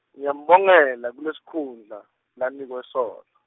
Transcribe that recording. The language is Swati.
Ngiyambongela kulesikhundla, lanikwe sona.